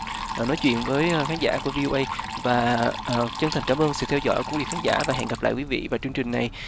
và nói chuyện với khán giả của vi ô ây và chân thành cảm ơn sự theo dõi quý vị khán giả và hẹn gặp lại quý vị vào chương trình này